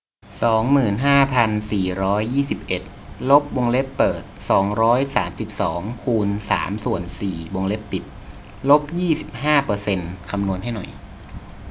สองหมื่นห้าพันสี่ร้อยยี่สิบเอ็ดลบวงเล็บเปิดสองร้อยสามสิบสองคูณสามส่วนสี่วงเล็บปิดลบยี่สิบห้าเปอร์เซนต์คำนวณให้หน่อย